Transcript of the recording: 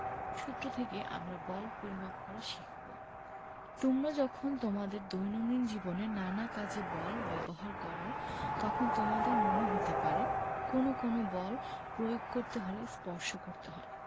সূত্র থেকে আমরা বল পরিমাপ করা শিখব তোমরা যখন তোমাদের দৈনন্দিন জীবনে নানা কাজে বল ব্যবহার করো তখন তোমাদের মনে হতে পারে কোনো কোনো বল প্রয়োগ করতে হলে স্পর্শ করতে হয়